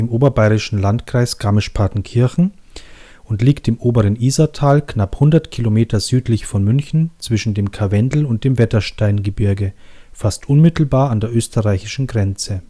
oberbayerischen Landkreis Garmisch-Partenkirchen und liegt im oberen Isartal, knapp 100 Kilometer südlich von München zwischen dem Karwendel - und dem Wettersteingebirge, fast unmittelbar an der österreichischen Grenze